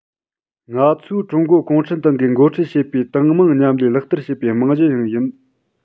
ང ཚོས ཀྲུང གོའི གུང ཁྲན ཏང གིས འགོ ཁྲིད བྱེད པའི ཏང མང མཉམ ལས ལག བསྟར བྱེད པའི རྨང གཞི ཡང ཡིན